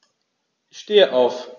Ich stehe auf.